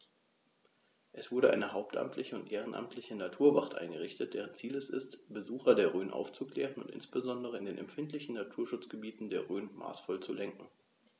Es wurde eine hauptamtliche und ehrenamtliche Naturwacht eingerichtet, deren Ziel es ist, Besucher der Rhön aufzuklären und insbesondere in den empfindlichen Naturschutzgebieten der Rhön maßvoll zu lenken.